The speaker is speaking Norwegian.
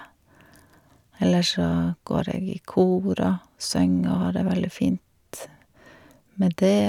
Ellers så går jeg i kor og synger og har det veldig fint med det.